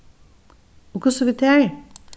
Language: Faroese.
og hvussu við tær